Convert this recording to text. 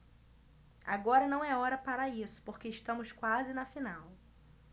agora não é hora para isso porque estamos quase na final